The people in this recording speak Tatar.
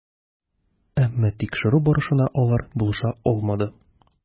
Әмма тикшерү барышына алар булыша алмады.